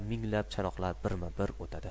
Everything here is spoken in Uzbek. minglab chanoqlar birma bir o'tadi